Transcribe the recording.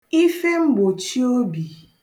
ifemgbòchiobì